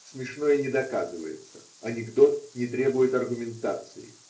Смешное не доказывается, анекдот не требует аргументации.